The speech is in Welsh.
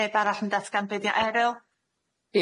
Neb arall yn datgan be' di o Eryl?